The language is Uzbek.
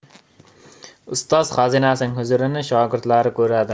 ustoz xazinasining huzurini shogirdlari ko'radi